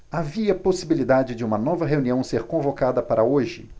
havia possibilidade de uma nova reunião ser convocada para hoje